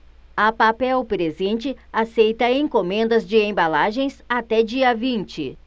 a papel presente aceita encomendas de embalagens até dia vinte